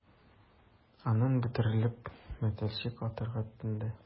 Аннан, бөтерелеп, мәтәлчек атарга тотынды...